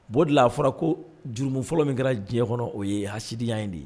O de a fɔra ko juru fɔlɔ min kɛra diɲɛ kɔnɔ o ye hasidiya in de ye